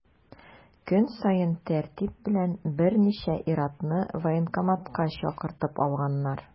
Көн саен тәртип белән берничә ир-атны военкоматка чакыртып алганнар.